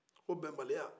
ko bɛnbaliya